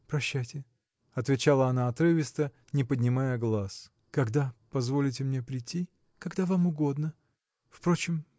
– Прощайте, – отвечала она отрывисто, не поднимая глаз. – Когда позволите мне прийти? – Когда вам угодно. Впрочем.